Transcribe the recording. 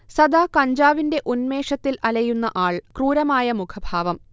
സദാ കഞ്ചാവിന്റെ ഉന്മേഷത്തിൽ അലയുന്ന ആൾ ക്രൂരമായ മുഖഭാവം